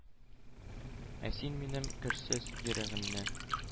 Ә син минем керсез йөрәгемне